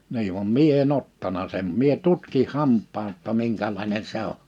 niin vaan minä en ottanut sen minä tutkin hampaan jotta minkälainen se on